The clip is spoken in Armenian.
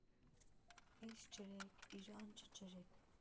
Ինձ ջրեք, իրան չջրեք։